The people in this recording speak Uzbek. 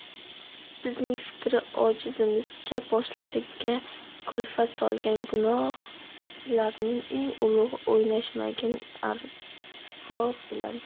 bizning fikri ojizimizcha boshlariga kulfat solgan gunoh larning eng ulug'i o'ynashmagin arbob bilan